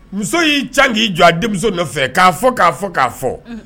Muso y'i ca k'i jɔ a denmuso nɔfɛ k'a fɔ k'a fɔ k'a fɔ